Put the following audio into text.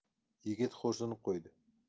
yigit xo'rsinib qo'ydi